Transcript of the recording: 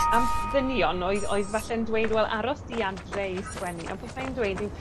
am ddynion oedd oedd falle'n dweud wel aros di adre i sgwennu, ond peth ai'n dweud yw